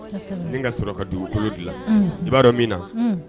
Ni ka sɔrɔ ka dugu dilan, unhun, i b'a dɔn min na, un